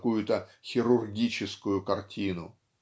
какую-то хирургическую картину.